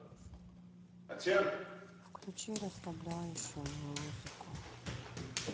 включи расслабляющую музыку